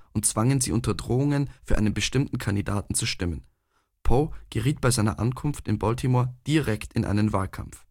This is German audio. und zwangen sie unter Drohungen, für einen bestimmten Kandidaten zu stimmen. Poe geriet bei seiner Ankunft in Baltimore direkt in einen Wahlkampf